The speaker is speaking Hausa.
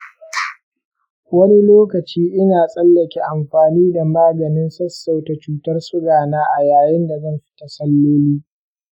wani lokacin ina tsallake amfani da maganin sassauta cutar sugana a yayin da zan fita salloli.